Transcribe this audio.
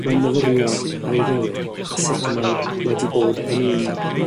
Mae'n myfyrio ar ei fywyd a sut mae wedi bod yn un